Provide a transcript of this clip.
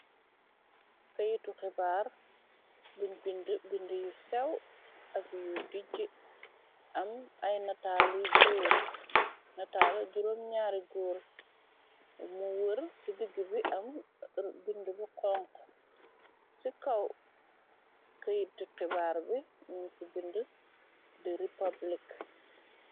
Këytu xibaar biñ-bd bind yu sew, ak yu dijj. Am ay nataaluy góur, nataal juróom ñaari góor. mu wër ci digg bi am bind bi xonx, ci kaw këyitu xibaar bi, nin ci bind di republik.